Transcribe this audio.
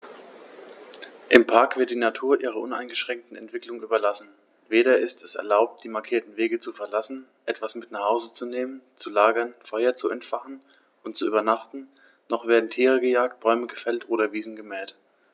Im Park wird die Natur ihrer uneingeschränkten Entwicklung überlassen; weder ist es erlaubt, die markierten Wege zu verlassen, etwas mit nach Hause zu nehmen, zu lagern, Feuer zu entfachen und zu übernachten, noch werden Tiere gejagt, Bäume gefällt oder Wiesen gemäht.